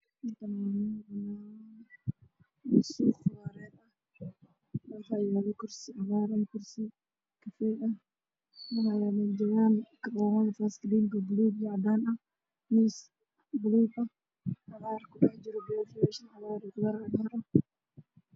Meshan waa meel lagu gado qudaarta waxaa yaalo qudaar cagarn sidoo kale waxaa iiga muuqda kursi